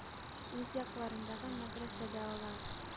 Үз якларындагы мәдрәсәдә ала.